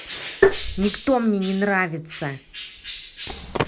никто мне не нравится